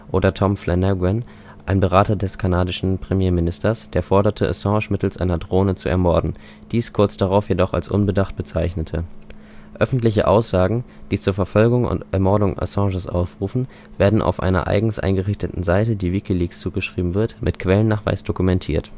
oder Tom Flanagan, ein Berater des kanadischen Premierministers, der forderte, Assange mittels einer Drohne zu ermorden, dies kurz darauf jedoch als „ unbedacht “bezeichnete. Öffentliche Aussagen, die zur Verfolgung und Ermordung Assanges aufrufen, werden auf einer eigens eingerichteten Seite, die WikiLeaks zugeschrieben wird, mit Quellennachweis dokumentiert